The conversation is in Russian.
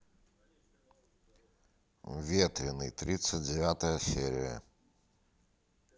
ветреный тридцать девятая серия